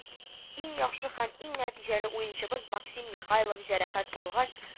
Иң яхшы һәм иң нәтиҗәле уенчыбыз Максим Михайлов җәрәхәт алгач